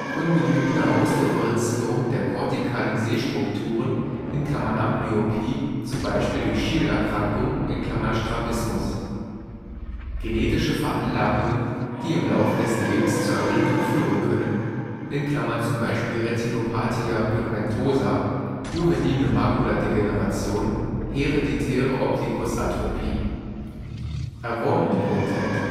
ungenügende Ausdifferenzierung der kortikalen Sehstrukturen (Amblyopie), z. B. durch Schielerkrankung (Strabismus) genetische Veranlagungen, die im Laufe des Lebens zur Erblindung führen können (z. B. Retinopathia pigmentosa, juvenile Makuladegeneration, hereditäre Optikusatrophie) erworbene Blindheit